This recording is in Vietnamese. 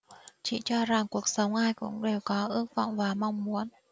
chị cho rằng cuộc sống ai cũng đều có ước vọng và mong muốn